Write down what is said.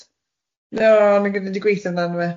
Na o'n i'n mynd i gweitho amdano fe.